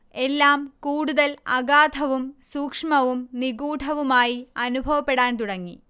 എല്ലാം കൂടുതൽ അഗാധവും സൂക്ഷ്മവും നിഗൂഢവുമായി അനുഭവപ്പെടാൻ തുടങ്ങി